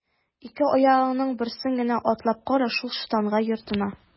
Ике аягыңның берсен генә атлап кара шул штанга йортына!